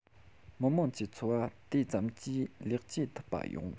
མི དམངས ཀྱི འཚོ བ དེ ཙམ གྱིས ལེགས བཅོས ཐུབ པ ཡོང